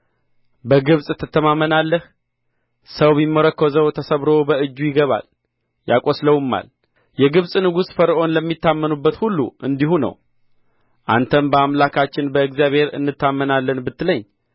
በግብጽ ትታመናለህ ሰው ቢመረኰዘው ተሰብሮ በእጁ ይገባል ያቈስለውማል የግብጽ ንጉሥ ፈርዖን ለሚታመኑበት ሁሉ አንዲሁ ነው አንተም በአምላካችን በእግዚአብሔር እንታመናለን ብትለኝ